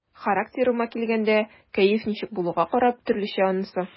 Характерыма килгәндә, кәеф ничек булуга карап, төрлечә анысы.